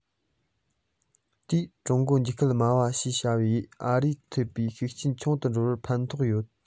དེས ཀྲུང གོའི འཇིགས སྐུལ སྨྲ བ ཞེས པ ལས ཨ རིར ཐེབས པའི ཤུགས རྐྱེན ཆུང དུ འགྲོ བར ཕན ཐོགས ཡོད